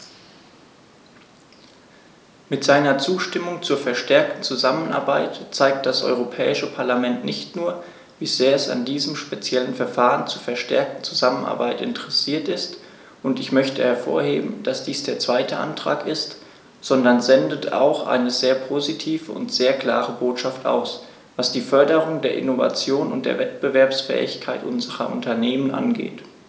Mit seiner Zustimmung zur verstärkten Zusammenarbeit zeigt das Europäische Parlament nicht nur, wie sehr es an diesem speziellen Verfahren zur verstärkten Zusammenarbeit interessiert ist - und ich möchte hervorheben, dass dies der zweite Antrag ist -, sondern sendet auch eine sehr positive und sehr klare Botschaft aus, was die Förderung der Innovation und der Wettbewerbsfähigkeit unserer Unternehmen angeht.